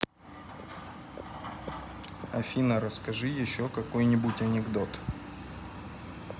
афина расскажи еще какой нибудь анекдот